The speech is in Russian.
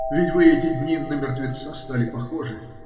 ведь вы эти дни на мертвеца стали похожи.